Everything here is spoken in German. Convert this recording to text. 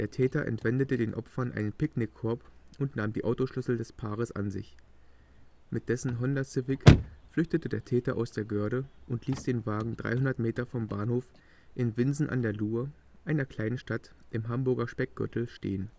Der Täter entwendete den Opfern einen Picknickkorb und nahm die Autoschlüssel des Paares an sich. Mit dessen Honda Civic flüchtete der Täter aus der Göhrde und ließ den Wagen 300 Meter vom Bahnhof in Winsen an der Luhe, einer kleinen Stadt im Hamburger Speckgürtel, stehen